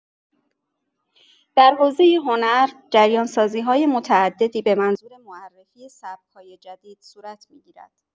در حوزه هنر، جریان‌سازی‌های متعددی به منظور معرفی سبک‌های جدید صورت می‌گیرد.